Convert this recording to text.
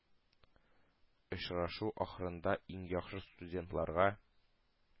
Очрашу ахырында иң яхшы студентларга